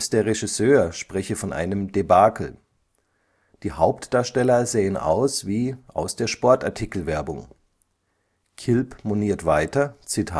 der Regisseur spreche von einem „ Debakel “. Die Hauptdarsteller sähen aus wie „ aus der Sportartikelwerbung “. Kilb moniert weiter: „ Im